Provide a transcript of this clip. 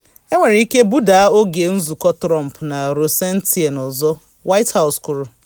Enwere ike budaa oge nzụkọ Trump na Rosenstein ọzọ, White House kwuru